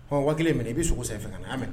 Hɔn waati kelen min i bɛ sogo sen fɛ ka na'a minɛ